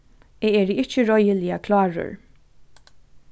eg eri ikki reiðiliga klárur